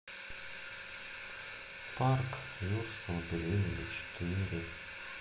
парк юрского периода четыре